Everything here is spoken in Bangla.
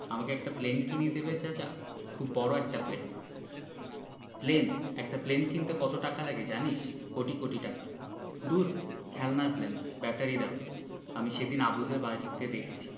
আমাকে একটা প্লেন কিনে দিবে চাচা খুব বড় দেখে প্লেন প্লেন একটা প্লেন কিনতে কত টাকা লাগে জানিস কোটি কোটি টাকা দূর খেলনার প্লেন ব্যাটারি দেয়া আমি সেদিন আবুদের বাড়িতে দেখেছি